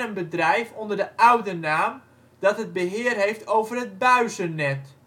bedrijf, onder de oude naam, dat het beheer heeft over het buizennet